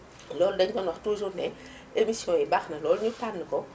loolu dañu doon wax toujours ne émissions yi baax na lool ñu tànn ko